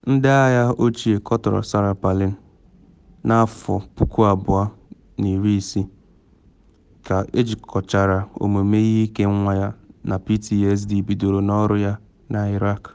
Ndị agha ochie kọtọrọ Sarah Palin na 2016 ka ejikọchara omume ihe ike nwa ya na PTSD bidoro n’ọrụ ya na Iraq.